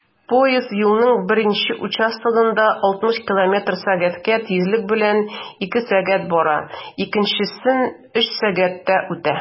Поезд юлның беренче участогында 60 км/сәг тизлек белән 2 сәг. бара, икенчесен 3 сәгатьтә үтә.